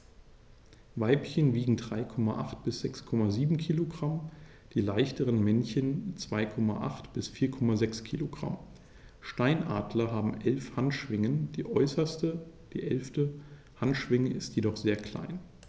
Weibchen wiegen 3,8 bis 6,7 kg, die leichteren Männchen 2,8 bis 4,6 kg. Steinadler haben 11 Handschwingen, die äußerste (11.) Handschwinge ist jedoch sehr klein.